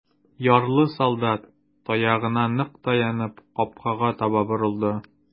Яралы солдат, таягына нык таянып, капкага таба борылды.